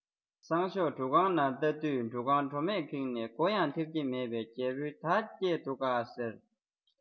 སང ཞོགས འབྲུ ཁང ནང ལྟ དུས འབྲུ ཁང གྲོ མས ཁེངས ནས སྒོ ཡང འཐེབ ཀྱི མེད པས རྒྱལ པོས ད བསྐྱལ འདུག ག ཟེར